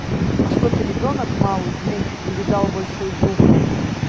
а что ты ребенок малый глуп не видал большой зуб